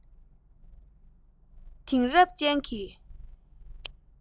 དེང རབས ཅན གྱི